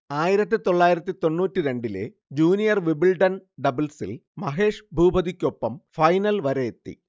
ആയിരത്തിത്തൊള്ളായിരത്തിതൊണ്ണൂറ്റിരണ്ടിലെ junior Wimbledon ഡബ്ൾസിൽ മഹേഷ് ഭൂപതിക്കൊപ്പം final വരെയെത്തി